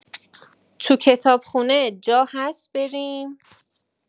تو کتابخونه جا هست بریم؟